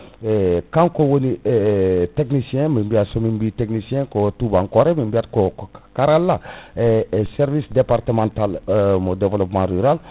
e kanko woni technicien